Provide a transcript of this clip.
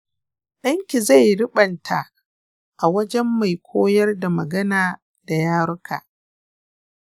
danki zai ribanta a wajen mai koyar da magana da yaruka.